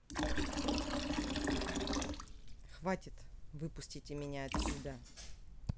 хватит выпустите меня отсюда